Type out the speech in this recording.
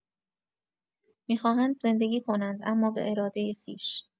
می‌خواهند زندگی کنند اما به ارادۀ خویش.